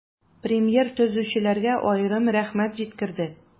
Премьер төзүчеләргә аерым рәхмәт җиткерде.